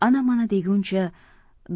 ana mana deguncha